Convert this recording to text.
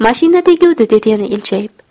mashina teguvdi dedi yana iljayib